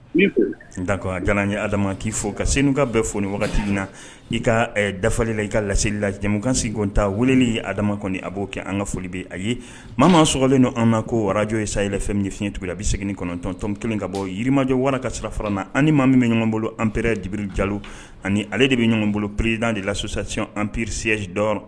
N ko dala ye ha adama k'i fɔ ka sen ka bɛɛ folioni wagati min na n'i ka dafali la i ka laeli lajamukansingin ta wuli ni adama kɔni a b'o kɛ an ka foli bɛ a ye maa maa slen don an ma ko warajo ye sayɛlɛ fɛn min fiɲɛɲɛtigɛla bɛ segin kɔnɔntɔn kelen ka bɔ yirimajɔ wara ka sira fara na ani maa min bɛ ɲɔgɔn bolo anpɛ dibiri jalo ani ale de bɛ ɲɔgɔn bolo pereirid de lasosasi an pirisiyasi jɔyɔrɔ